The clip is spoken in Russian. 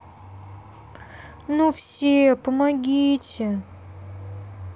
ну все помогите